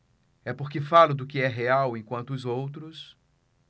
é porque falo do que é real enquanto os outros